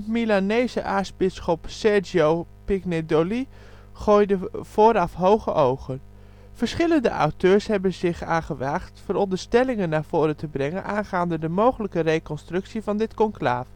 Milanese aartsbisschop Sergio Pignedoli, gooide vooraf hoge ogen. Verschillende auteurs hebben er zich aan gewaagd veronderstellingen naar voren te brengen aangaande een mogelijke reconstructie van dit conclaaf